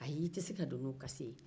ayi i tɛ se ka don n'o kasi ye